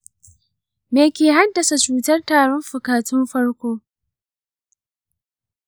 me ke haddasa cutar tarin fuka tun farko?